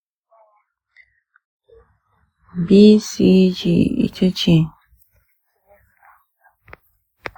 bcg ita ce rigakafin tarin fuka. ana bayar da ita tun lokacin haihuwa.